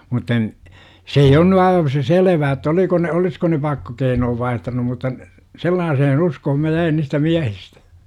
mutta - se ei on nyt aivan se selvää että oliko ne olisiko ne pakkokeinot vaihtanut mutta en sellaiseen uskoon minä jäin niistä miehistä